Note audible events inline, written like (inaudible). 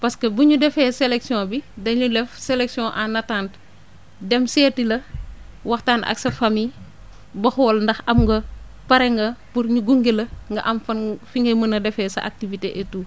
parce que bu ñu defee sellection bi dañuy def sellection en atttente dem seeti la waxtaan ak (noise) sa famille ba xool ndax am nga pare nga pour ñu gunge la nga am fan fi ngay mën a defee sa activité et tout